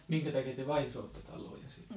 minkä takia te vaihdoitte taloja sitten